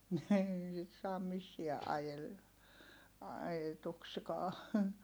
niin sitten saa missään - ajetuksikaan